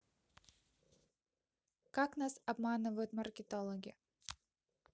как нас обманывают маркетологи